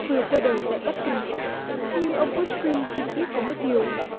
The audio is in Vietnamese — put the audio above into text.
vừa qua đời tại bắc kinh nhưng ông bút khuy chỉ tiếc có một điều